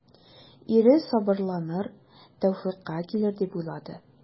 Ире сабырланыр, тәүфыйкка килер дип уйлады.